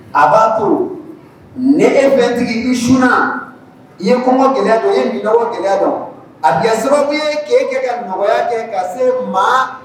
A b'a to i sunna i ye kɔngɔ gɛlɛya dɔn i ye minnɔgɔ gɛlɛya dɔn a bɛ kɛ sababu ye k'e kɛ ka nɔgɔya kɛ ka se maa